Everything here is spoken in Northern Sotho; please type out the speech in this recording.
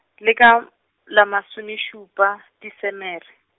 le ka, la masome šupa Desemere.